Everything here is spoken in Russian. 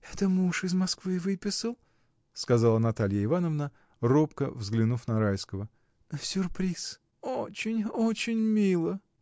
— Это муж из Москвы выписал, — сказала Наталья Ивановна, робко взглянув на Райского, — сюрприз. — Очень, очень мило!